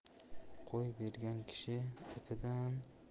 qo'y bergan kishi ipidan